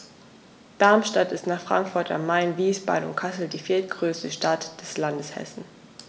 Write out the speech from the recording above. Darmstadt ist nach Frankfurt am Main, Wiesbaden und Kassel die viertgrößte Stadt des Landes Hessen